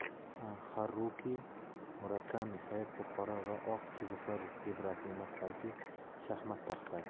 haruki murakami hayot bu qora va oq chiziqlar zebrasi emas balki shaxmat taxtasi